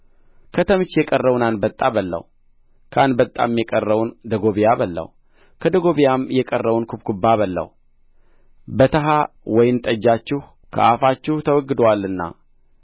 ከተምች የቀረውን አንበጣ በላው ከአንበጣም የቀረውን ደጎብያ በላው ከደጎብያም የቀረውን ኩብኩባ በላው በተሃ ወይን ጠጃችሁ ከአፋችሁ ተወግዶአልና